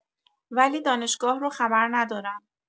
ولی دانشگاه رو خبر ندارم.